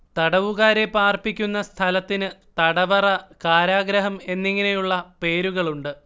തടവുകാരെ പാർപ്പിക്കുന്ന സ്ഥലത്തിന് തടവറ കാരാഗൃഹം എന്നിങ്ങനെയുള്ള പേരുകളുണ്ട്